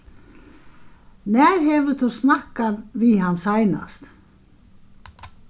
nær hevur tú snakkað við hann seinast